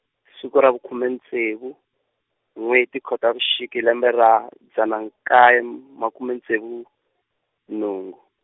siku ra vukhume ntsevu, n'wheti Khotavuxika hi lembe ra, dzana nkaye m- makume ntsevu, nhungu.